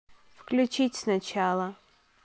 включить сначала